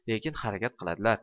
lekin harakat qiladilar